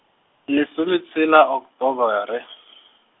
lesometshela Oktobore.